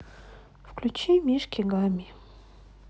включи мишки гамми